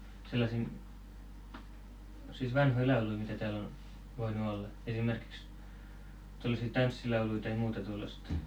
sellaisia siis vanhoja lauluja mitä täällä on voinut olla esimerkiksi tuollaisia tanssilauluja tai muuta tuollaista